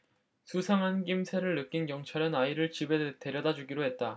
수상한 낌새를 느낀 경찰은 아이를 집에 데려다 주기로 했다